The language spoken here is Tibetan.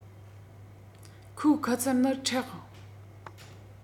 ཁོའི ཁུ ཚུར ནི མཁྲེགས